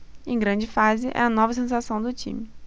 em grande fase é a nova sensação do time